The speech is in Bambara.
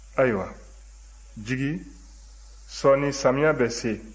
ayiwa jigi sɔɔni samiyɛ bɛ se